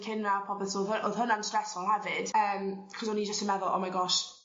cyn fel a popeth so o'dd hy- o'dd hwnna'n stressful hefyd yym 'chos o'n i jyst yn meddwl oh my gosh